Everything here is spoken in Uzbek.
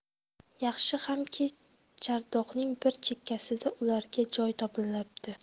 yaxshi hamki chordoqning bir chekkasida ularga joy topilibdi